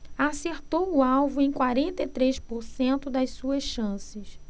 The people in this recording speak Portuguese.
acertou o alvo em quarenta e três por cento das suas chances